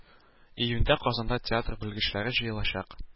Июньдә Казанда театр белгечләре җыелачак